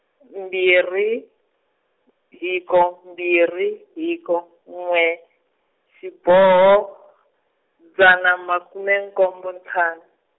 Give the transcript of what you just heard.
mbirhi, hiko mbirhi hiko n'we, xiboho, dzana makume nkombo ntlhanu.